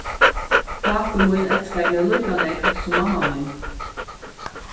pápi mín elskaði meg líka nógv sum mamma mín